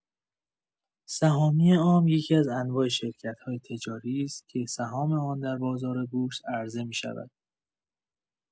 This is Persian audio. سهامی عام یکی‌از انواع شرکت‌های تجاری است که سهام آن در بازار بورس عرضه می‌شود.